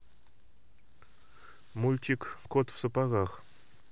мультик кот в сапогах